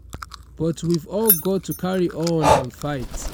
But we've all got to carry on and fight."